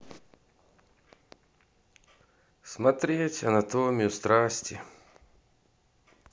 смотреть анатомию страсти